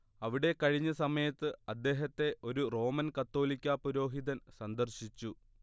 അവിടെ കഴിഞ്ഞ സമയത്ത് അദ്ദേഹത്തെ ഒരു റോമൻ കത്തോലിക്കാ പുരോഹിതൻ സന്ദർശിച്ചു